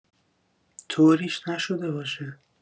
طوریش نشده باشه؟